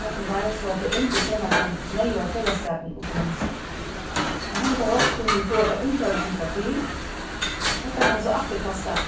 kappingar so at tey ungu kenna tann neyðuga felagsskapin uttan um seg á henda hátt kunnu vit fáa tað umhvørvið sum skal til hetta kann so aftur kasta